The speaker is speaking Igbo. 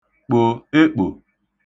kpò (ekpò)